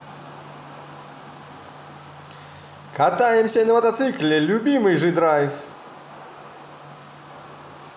катаемся на мотоцикле любимый же драйв